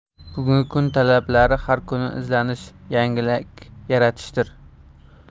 bugungi kun talabi har kuni izlanish yangilik yaratishdir